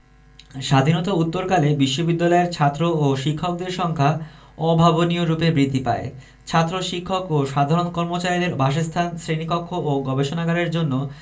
স্বাধীনতা উত্তরকালে বিশ্ববিদ্যালয়ের ছাত্র ও শিক্ষকদের সংখ্যা অভাবনীয়রূপে বৃদ্ধি পায় ছাত্র শিক্ষক ও সাধারণ কর্মচারীদের বাসস্থান শ্রেণীকক্ষ ও গবেষণাগারের জন্য